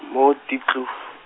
mo, Diepkloof.